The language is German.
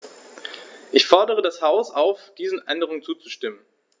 Ich fordere das Haus auf, diesen Änderungen zuzustimmen.